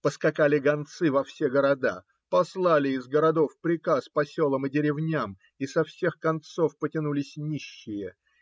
Поскакали гонцы во все города, послали из городов приказ по селам и деревням, и со всех концов потянулись нищие.